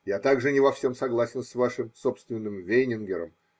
Я также не во всем согласен с вашим собственным Вейнингером.